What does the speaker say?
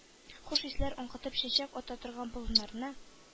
Хуш исләр аңкытып чәчәк ата торган болыннарны,